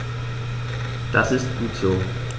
Das ist gut so.